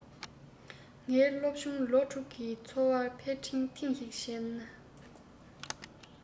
ངའི སློབ ཆུང ལོ དྲུག གི འཚོ བ ལ ཕྱིར དྲན ཐེངས ཤིག བྱས ན